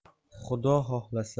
xudo xohlasa